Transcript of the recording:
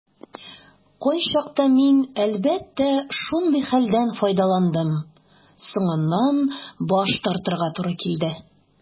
Кайчакта мин, әлбәттә, шундый хәлдән файдаландым - соңыннан баш тартырга туры килде.